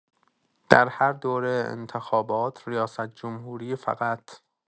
در هر دوره انتخابات ریاست‌جمهوری فقط